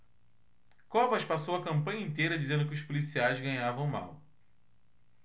covas passou a campanha inteira dizendo que os policiais ganhavam mal